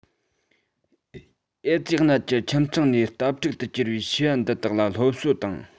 ཨེ ཙི ནད ཀྱི ཁྱིམ ཚང ནས དྭ ཕྲུག ཏུ གྱུར བའི བྱིས པ འདི དག ལ སློབ གསོ དང